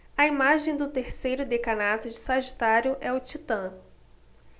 a imagem do terceiro decanato de sagitário é o titã